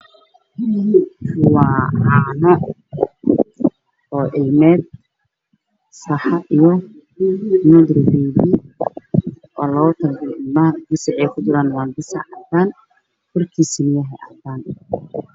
Waa suparmaarket waxaa ii muuqda caagado ay ku jiraan caana booro oo cadaan ah